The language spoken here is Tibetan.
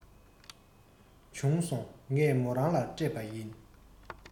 བྱུང སོང ངས མོ རང ལ སྤྲད པ ཡིན